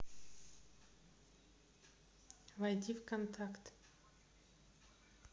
войди в контакт